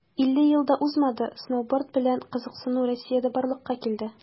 50 ел да узмады, сноуборд белән кызыксыну россиядә дә барлыкка килде.